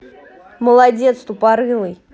молодец тупорылый